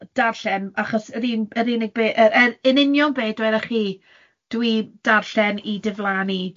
darllen, achos yr un- yr unig bet- yy yy yn union be' dywedoch chi, dwi'n darllen i diflannu,